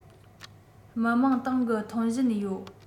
མི དམངས ཏང གི ཐོན བཞིན ཡོད